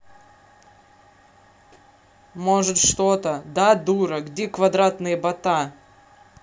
может что то да дура где квадратные бота